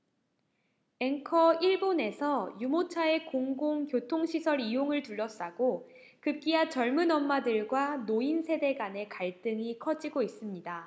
앵커 일본에서 유모차의 공공 교통시설 이용을 둘러싸고 급기야 젊은 엄마들과 노인 세대 간의 갈등이 커지고 있습니다